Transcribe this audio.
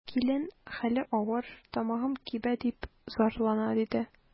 Килен: хәле авыр, тамагым кибә, дип зарлана, диде.